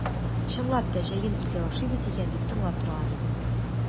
Чынлап та җәен ите ашыйбыз икән дип тыңлап торган идем.